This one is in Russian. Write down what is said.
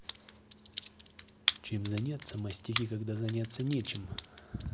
чем заняться мастики когда заняться нечем